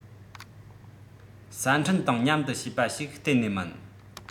གསར འཕྲིན དང མཉམ དུ བྱས པ ཞིག གཏན ནས མིན